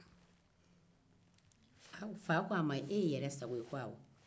fa ko e ye yerɛsago ye